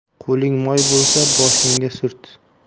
qo'ling moy bo'lsa boshingga surt